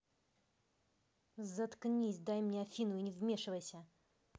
заткнись дай мне афину не вмешивайся